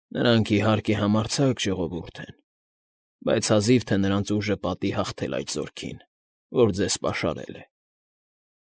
Նրանք, իհարկե, համարձակ ժողովուրդ են, բայց հազիվ թե նրանց ուժը պատի հաղթել այդ զորքին, որ ձեզ պաշարել է։